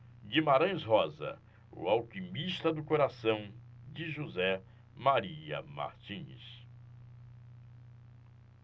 guimarães rosa o alquimista do coração de josé maria martins